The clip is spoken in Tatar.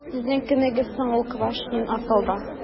Сезнең кемегез соң ул Квашнин, асылда? ..